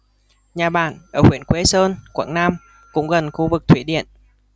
nhà bạn ở huyện quế sơn quảng nam cũng gần khu vực thủy điện